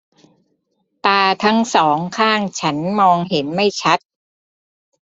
ตาทั้งสองข้างฉันมองเห็นไม่ชัด